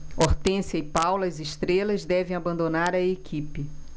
hortência e paula as estrelas devem abandonar a equipe